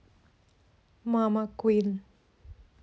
мама куин